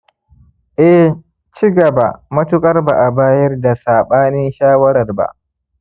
eh, cigaba matuƙar ba'a bayar da saɓanin shawarar ba